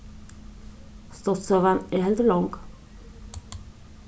stuttsøgan er heldur long